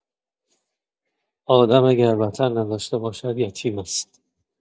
آدم اگر وطن نداشته باشد یتیم است.